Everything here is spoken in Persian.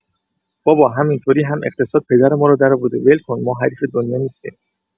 بابا همین طوری هم اقتصاد پدر ما رو درآورده ول‌کن ما حریف دنیا نیستیم.